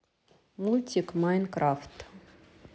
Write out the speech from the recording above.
мультик майнкрафт